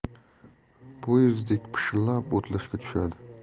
poyezddek pishillab o'tlashga tushadi